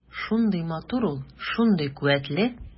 Шундый матур ул, шундый куәтле.